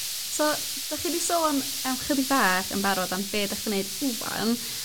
So 'dych chi 'di sôn am chydig bach yn barod am be 'dach chi neud ŵan